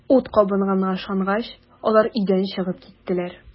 Ут кабынганга ышангач, алар өйдән чыгып киттеләр.